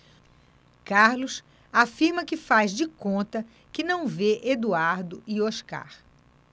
carlos afirma que faz de conta que não vê eduardo e oscar